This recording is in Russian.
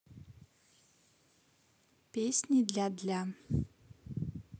песни для для